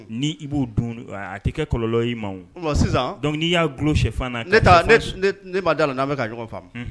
Ni i b'o don a tɛ kɛ kɔlɔnlɔ i ma sisan dɔnkuc n'i y'a tulolo cɛfana ne ne'a la n'a bɛ ka jɔn faamu